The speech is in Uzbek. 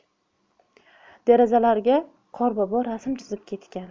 derazalarga qorbobo rasm chizib ketgan